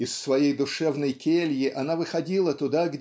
Из своей душевной кельи она выходила туда